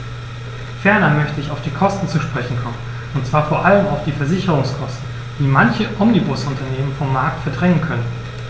Ferner möchte ich auf die Kosten zu sprechen kommen, und zwar vor allem auf die Versicherungskosten, die manche Omnibusunternehmen vom Markt verdrängen könnten.